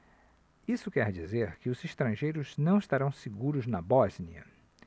isso quer dizer que os estrangeiros não estarão seguros na bósnia